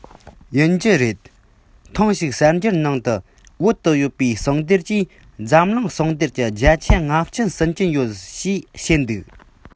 ཡིན གྱི རེད ཐེངས ཤིག གསར འགྱུར ནང དུ བོད དུ ཡོད པའི ཟངས གཏེར གྱིས འཛམ གླིང ཟངས གཏེར གྱི བརྒྱ ཆ ལྔ བཅུ ཟིན གྱི ཡོད ཞེས བཤད འདུག